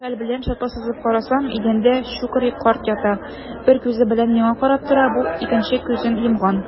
Көч-хәл белән шырпы сызып карасам - идәндә Щукарь карт ята, бер күзе белән миңа карап тора бу, икенче күзен йомган.